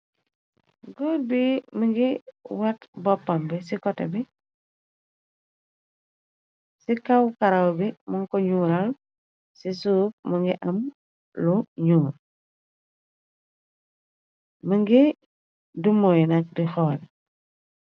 Góor bi mëngi wat boppam bi, ci kote bi, ci kaw karaw bi mon ko ñuural, ci suuf mu ngi am lu ñuu, më ngi dumooy nag di xoole.